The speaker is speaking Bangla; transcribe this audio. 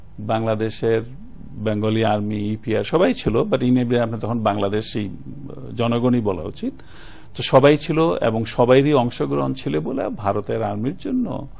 বাংলাদেশের বেঙ্গলি আর্মি ইপিয়ার সবাই ছিল বাট ইন এভরি হোয়ার আমরা তখন বাংলাদেশী জনগণ ই বলা উচিত সবাই তো সবাই ছিল এবং সবারই অংশগ্রহণ ছিল বলে ভারতের আর্মির জন্য